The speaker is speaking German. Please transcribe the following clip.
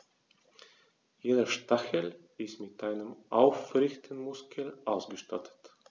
Jeder Stachel ist mit einem Aufrichtemuskel ausgestattet.